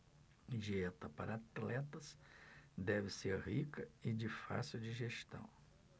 dieta para atletas deve ser rica e de fácil digestão